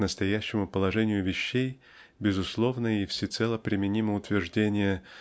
к настоящему положению вещей безусловно и всецело применимо утверждение